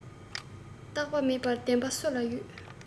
རྟག པ མེད པར བདེན པ སུ ལ ཡོད